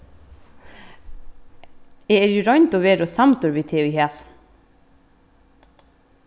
eg eri í roynd og veru samdur við teg í hasum